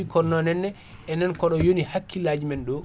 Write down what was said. kono non henna enen koɗo yooni hakkillaji men ɗo